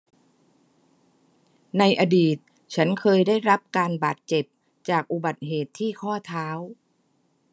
ในอดีตฉันเคยได้รับการบาดเจ็บจากอุบัติเหตุที่ข้อเท้า